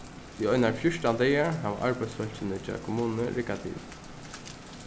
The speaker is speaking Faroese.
í einar fjúrtan dagar hava arbeiðsfólkini hjá kommununi riggað til